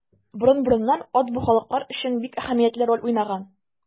Борын-борыннан ат бу халыклар өчен бик әһәмиятле роль уйнаган.